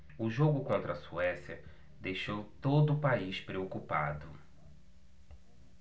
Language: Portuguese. o jogo contra a suécia deixou todo o país preocupado